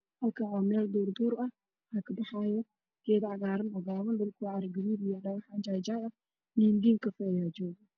Halkaan waa meel duurduur ah waxaa kabaxaayo geedo cagaaran , dhulku waa carro gaduud iyo dhagax jay ah, diidiin kafay ah ayaa joogo.